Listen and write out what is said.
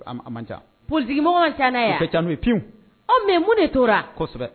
Man ca p sigimɔgɔ cac pewu mɛ mun de tora kosɛbɛ